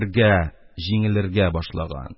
Бергә җиңелергә башлаган